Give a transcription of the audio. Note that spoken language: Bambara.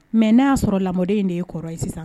Mɛ na'a sɔrɔ la in de ye kɔrɔ ye sisan